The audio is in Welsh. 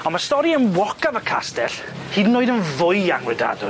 On' ma' stori enwocaf y castell hyd yn oed yn fwy angredadwy.